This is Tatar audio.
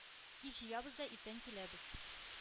“кич җыябыз да иртән киләбез.